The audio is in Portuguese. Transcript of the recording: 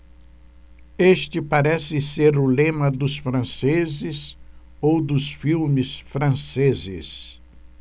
este parece ser o lema dos franceses ou dos filmes franceses